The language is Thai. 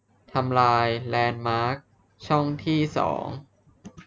ทำลายแลนด์มาร์คช่องที่สอง